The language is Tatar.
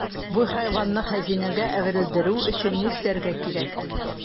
Бу хайванны хәзинәгә әверелдерү өчен ни эшләргә кирәк?